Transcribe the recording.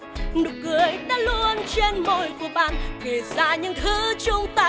nụ cười đã luôn trên môi của bạn kể ra những thứ chúng ta